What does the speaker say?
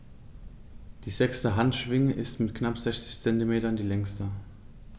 Die sechste Handschwinge ist mit knapp 60 cm die längste.